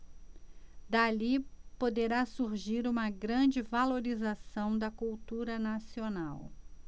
dali poderá surgir uma grande valorização da cultura nacional